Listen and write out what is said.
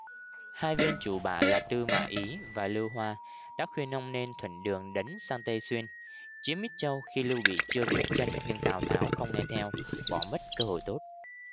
hai viên chủ bạ là tư mã ý và lưu hoa đã khuyên ông nên thuận đường đánh sang tây xuyên chiếm ích châu khi lưu bị chưa vững chân nhưng tào tháo không nghe theo bỏ mất cơ hội tốt